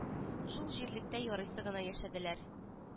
Шул җирлектә ярыйсы гына яшәделәр